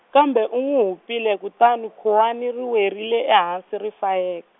kambe u n'wi hupile kutani khuwani ri werile ehansi ri fayek-.